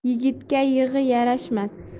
yigitga yig'i yarashmas